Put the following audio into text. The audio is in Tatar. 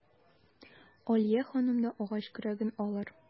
Алия ханым да агач көрәген алыр.